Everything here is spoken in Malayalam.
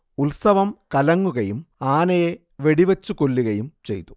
ഉത്സവം കലങ്ങുകയും ആനയെ വെടിവച്ചുകൊല്ലുകയും ചെയ്തു